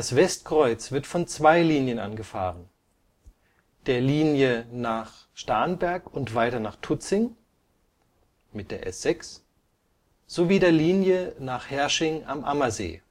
Westkreuz wird von zwei Linien angefahren, der Linie nach Starnberg und weiter nach Tutzing (S6) sowie der Linie nach Herrsching am Ammersee